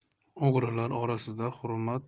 o'g'rilar orasida hurmat